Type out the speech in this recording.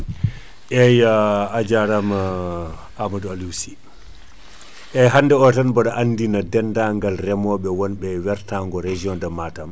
eyyi a jaaramaa Amadou Aliou Sy eyyi hande o tan ɓeɗa andina dendagal reemoɓe won e wertago région :dra de Matam